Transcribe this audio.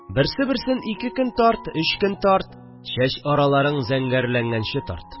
Берсе-берсен ике көн тарт, өч көн тарт, чәч араларың зәңгәрләнгәнче тарт